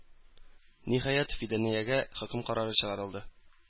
Ниһаять, Фиданиягә хөкем карары чыгарылды.